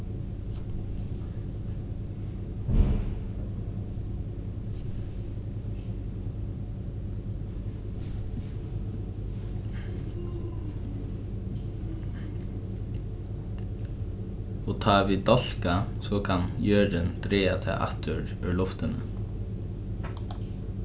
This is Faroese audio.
og tá vit dálka so kann jørðin draga tað aftur úr luftini